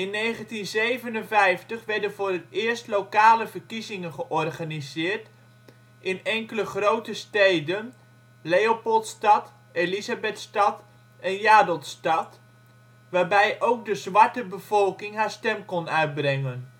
1957 werden voor het eerst lokale verkiezingen georganiseerd in enkele grote steden - Leopoldstad, Elisabethstad, en Jadotstad - waarbij ook de zwarte bevolking haar stem kon uitbrengen